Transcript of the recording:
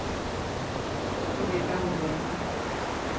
vit eru góðir vinir